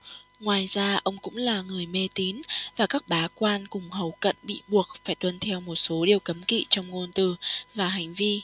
ngoài ra ông cũng là người mê tín và các bá quan cùng hầu cận bị buộc phải tuân theo một số điều cấm kỵ trong ngôn từ và hành vi